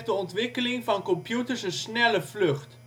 ontwikkeling van computers een snelle vlucht